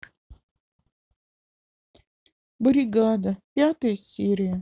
бригада пятая серия